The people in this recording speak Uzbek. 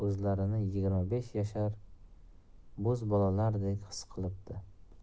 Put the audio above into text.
besh yashar bo'z bolalardek xis qilibdi